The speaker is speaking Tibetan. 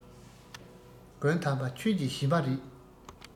མགོན དམ པ ཆོས ཀྱི གཞི མ རེད